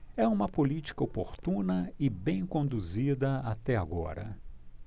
é uma política oportuna e bem conduzida até agora